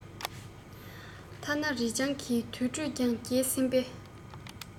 ཐ ན རི སྤྱང གི འདུར འགྲོས ཀྱང གྱེས ཟིན པས